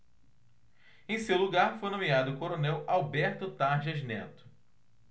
em seu lugar foi nomeado o coronel alberto tarjas neto